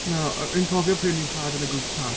Na, o'n i'n cofio pryd o ni'n siarad yn y groupchat...